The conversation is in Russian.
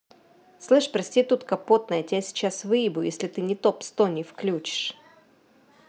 слышь проститутка потная тебя сейчас выебу если ты не топ сто не включишь